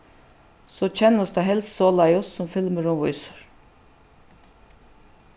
so kennist tað helst soleiðis sum filmurin vísir